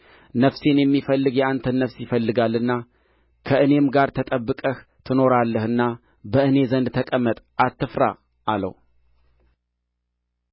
ነፍሴን የሚፈልግ የአንተን ነፍስ ይፈልጋልና ከእኔም ጋር ተጠብቀህ ትኖራለህና በእኔ ዘንድ ተቀመጥ አትፍራ አለው